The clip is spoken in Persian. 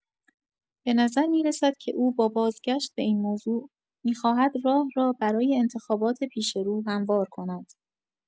به نظر می‌رسد که او با بازگشت به این موضوع، می‌خواهد راه را برای انتخابات پیش‌رو هموار کند.